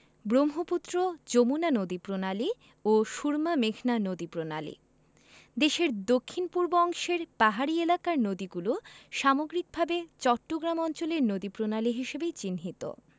ব্রহ্মপুত্র যমুনা নদীপ্রণালী ও সুরমা মেঘনা নদীপ্রণালী দেশের দক্ষিণ পূর্ব অংশের পাহাড়ী এলাকার নদীগুলো সামগ্রিকভাবে চট্টগ্রাম অঞ্চলের নদীপ্রণালী হিসেবে চিহ্নিত